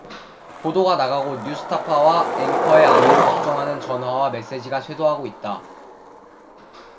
보도가 나가고 뉴스타파 와 앵커의 안위를 걱정하는 전화와 메시지가 쇄도하고 있다